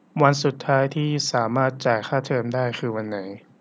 วันสุดท้ายที่สามารถจ่ายค่าเทอมได้คือวันไหน